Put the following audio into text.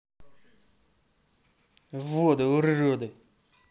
воды уроды